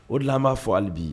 O de an b'a fɔ hali bi